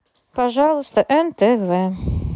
пожалуйста нтв